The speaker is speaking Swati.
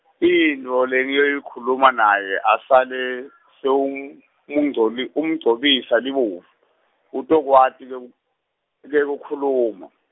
intfo lengiyoyikhuluma naye asale , sewungungcoli- -umugcobisa libovu, utokwati leku, le kukhuluma.